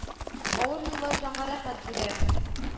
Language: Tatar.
Авыр юллар җанга рәхәт бирә